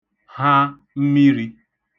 ha mmiri